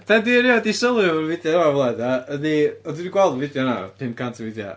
Be dwi erioed 'di sylwi am y fideo yma o'r blaen de ydy... wel dwi 'di gweld y fideo yna pump cant o weithiau